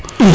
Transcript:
i